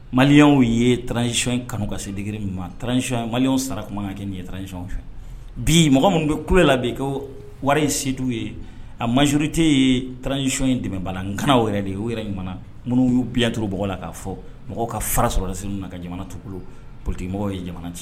Maliyaw ye tranzsi in kanukasi digiri maransi mali sara kumakan kɛ nin yeransiɔn fɛ bi mɔgɔ minnu bɛ ku la b ko wara in sedu ye a mazorite ye tcisi in dɛmɛba la kana yɛrɛ de o yɛrɛmana minnu y'u bilatuuru b la k ka fɔ mɔgɔ ka fara sɔrɔda ka jamana tu potemɔgɔ ye jamana ci